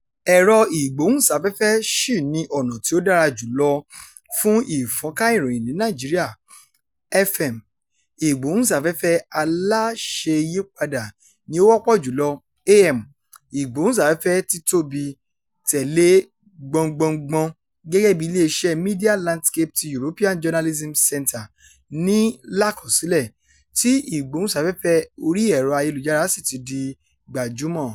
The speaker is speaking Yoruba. Ẹ̀rọ-ìgbóhùnsáfẹ́fẹ́ ṣì ni ọ̀nà tí ó dára jù lọ fún ìfọ́nká ìròyìn ní Nàìjíríà. FM (Ìgbóhùnsáfẹ́fẹ́ Aláṣeéyípadà) ni ó wọ́pọ̀ jù lọ, AM (Ìgbóhùnsáfẹ́fẹ́ Títóbi) tẹ̀lé e gbọ̀ngbọ̀ngbọn, gẹ́gẹ́ bí iléeṣẹ́ Media Landscape ti European Journalism Centre ní i lákọsílẹ̀ — tí ìgbóhùnsáfẹ́fẹ́ orí ẹ̀rọ ayélujára sì ti di gbajúmọ̀.